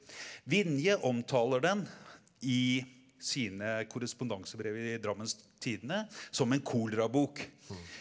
Vinje omtaler den i sine korrespondansebrevet i Drammens tidende som en kolerabok.